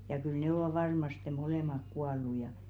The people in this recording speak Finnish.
ja kyllä ne ovat varmasti molemmat kuollut ja